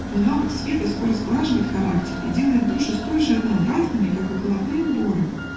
но навык света скоро сглаживает характер и делает души столь же однообразными, как и головные уборы.